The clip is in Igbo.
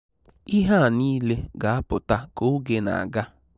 Ihe niile ga-apụta ka oge na-aga.